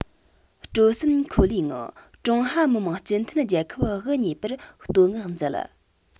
སྤྲོ སེམས འཁོལ བའི ངང ཀྲུང ཧྭ མི དམངས སྤྱི མཐུན རྒྱལ ཁབ དབུ བརྙེས པར བསྟོད བསྔགས མཛད